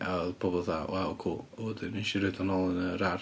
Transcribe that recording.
A oedd pobol fatha, "waw cŵl". A wedyn wnes i rhoid o nol yn yr ardd.